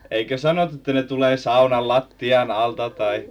eikö sanottu että ne tulee saunan lattian alta tai